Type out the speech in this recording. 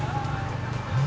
ừ